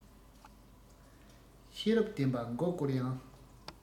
ཤེས རབ ལྡན པ མགོ བསྐོར ཡང